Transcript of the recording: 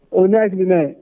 O na jumɛn